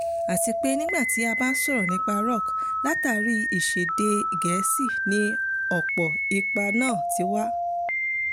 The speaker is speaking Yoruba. Àti pé nígbà tí a bá ń sọ̀rọ̀ nípa Rock, látààrí ìsèdè-Gẹ̀ẹ́sì ni ọ̀pọ̀ ipa náà ti wá.